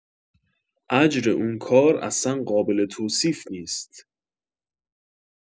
اجر اون کار اصلا قابل توصیف نیست.